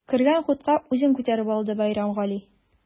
Кергән хутка үзен күтәреп алды Бәйрәмгали.